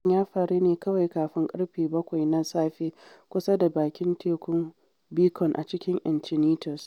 Harin ya faru ne kawai kafin ƙarfe 7 na safe kusa da Bakin Tekun Beacon a cikin Encinitas.